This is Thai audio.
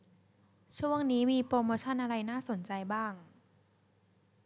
ช่วงนี้มีโปรโมชั่นอะไรน่าสนใจบ้าง